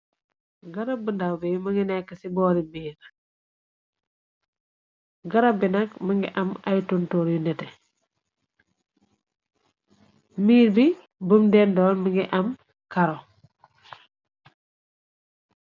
Garab bu ndaw bi mëngi nekk ci boori mbiir garab bi nag më ngi am ay tuntor yu nete mbiir bi bum dendool mëngi am karo.